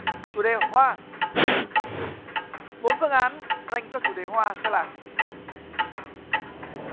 chủ đề hoa bốn phương án dành cho chủ đề hoa sẽ là là